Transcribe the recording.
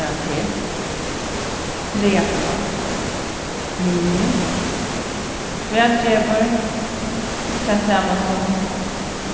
parantes draga frá minus hvat gevur tað sama sum